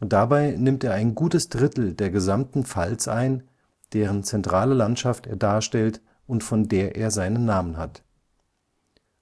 Damit nimmt er ein gutes Drittel der gesamten Pfalz ein, deren zentrale Landschaft er darstellt und von der er seinen Namen hat.